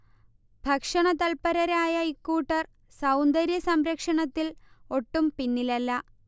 ഭക്ഷണ തല്പരരായ ഇക്കൂട്ടർ സൗന്ദര്യ സംരക്ഷണത്തിൽ ഒട്ടും പിന്നിലല്ല